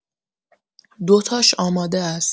دو تاش آماده است.